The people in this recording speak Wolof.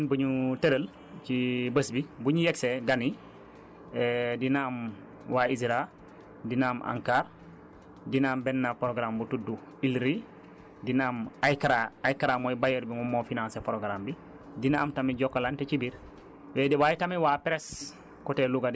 donc ci liggéey boobu dafa am tëralin bu ñu tëral ci bés bi bu ñu yeggsee gan yi dina am waa ISRA dina am ANCAR dina am benn programme bu tudd ULRI dina am AICRA AICRA mooy bailleur bi moom moo financer programme bi dina am tamit Jokalante ci biir